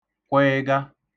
kwịịga